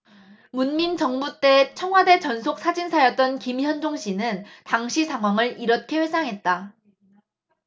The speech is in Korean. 문민정부 때 청와대 전속사진사였던 김현종씨는 당시 상황을 이렇게 회상했다